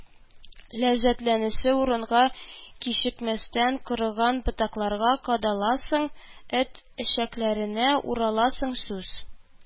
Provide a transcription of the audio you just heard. Ләззәтләнәсе урынга, кичекмәстән, корыган ботакларга кадаласың, эт эчәкләренә ураласың, сүз